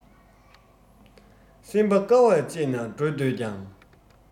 སེམས པ དཀའ བ སྤྱད ནས འགྲོ འདོད ཀྱང